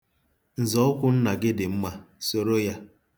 Nzọụkwụ nna gị dị mma, soro ya.